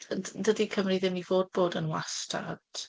Ond dydy Cymru ddim i fod bod yn wastad.